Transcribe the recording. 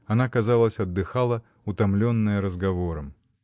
Она, казалось, отдыхала, утомленная разговором.